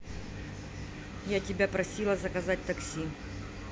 я тебя просила заказать такси